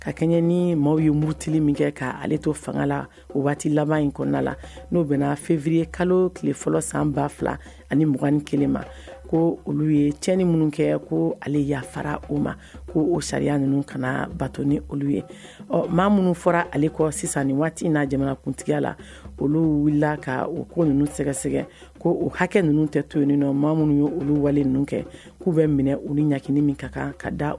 Ka kɛɲɛ ni maaw ye moti kɛ ka to fanga la o waati laban in la n' bɛnafe kalo tile fɔlɔ sanba fila ani 2 kelen ma ko olu ye cɛ ni minnu kɛ ko ale yafara o ma ko o sariya ninnu kana baton ni olu ye ɔ maa minnu fɔra ale kɔ sisan ni waati in n'a jamanakuntigiya la olu wulila ka u ko ninnu sɛgɛsɛgɛ ko u hakɛ ninnu tɛ toni nɔ maa minnu y ye oluolu wale ninnu kɛ k'u bɛ minɛ u ɲagaɲiniinin min ka kan ka da